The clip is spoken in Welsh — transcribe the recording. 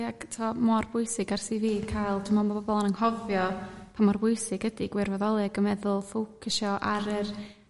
ia ag t'o' mor bwysig ers fi ca'l... dwi me'l ma' bobol yn anghofio pa mor bwysig ydi gwirfoddoli ag y meddwl ffowcysio ar yr